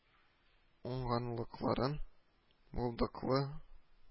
Уңганлыкларын, булдыклы